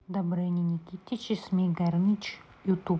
добрыня никитич и змей горыныч ютуб